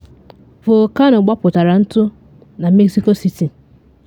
Volkano gbọpụtara ntụ na Mexico City